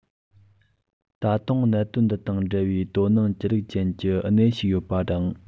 ད དུང གནད དོན འདི དང འབྲེལ བའི དོ སྣང བགྱི རིན ཅན གྱི གནས ཤིག ཡོད པ དང